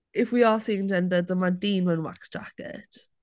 If we are seeing gender dyma dyn mewn wax jacket.